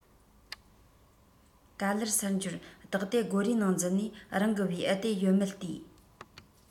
ག ལེར སར འབྱོར བདག དེའི སྒོ རའི ནང འཛུལ ནས རང གི བེའུ དེ ཡོད མེད བལྟས